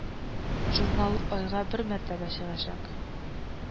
Журнал айга бер мәртәбә чыгачак